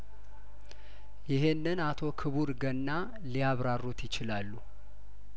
ይሄንን አቶ ክቡር ገና ሊያብራሩት ይችላሉ